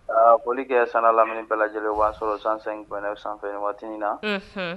A koli kɛ san lamini bɛɛ lajɛlen o y'a sɔrɔ sanɛ san waati in na